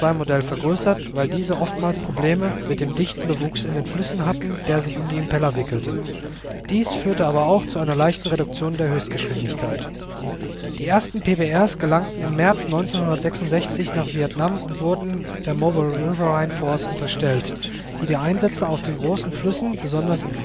II-Modell vergrößert, weil diese oftmals Probleme mit dem dichten Bewuchs in den Flüssen hatten, der sich um die Impeller wickelte. Dies führte aber auch zu einer leichten Reduktion der Höchstgeschwindigkeit. Zwillingsmaschinengewehr im Bug Die ersten PBRs gelangten im März 1966 nach Vietnam und wurden der Mobile Riverine Force unterstellt, die die Einsätze auf den großen Flüssen, besonders